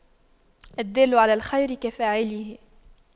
الدال على الخير كفاعله